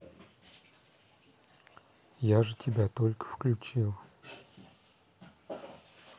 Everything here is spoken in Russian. я же тебя только включил